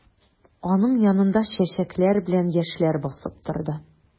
Аның янында чәчәкләр белән яшьләр басып торды.